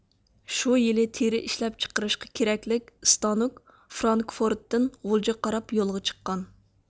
شۇ يىلى تېرە ئىشلەپ چىقىرىشقا كېرەكلىك ئىستانوك فرانكفورتتىن غۇلجىغا قاراپ يولغا چىققان